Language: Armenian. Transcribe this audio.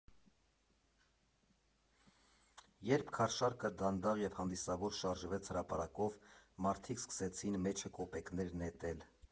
Երբ քարշակը դանդաղ և հանդիսավոր շարժվեց հրապարակով, մարդիկ սկսեցին մեջը կոպեկներ նետել։